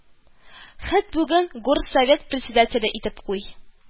Хет бүген горсовет председателе итеп куй